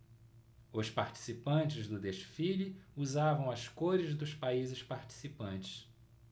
os participantes do desfile usavam as cores dos países participantes